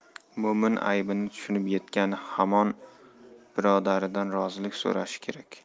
mo''min aybini tushunib yetgani hamon birodaridan rozilik so'rashi kerak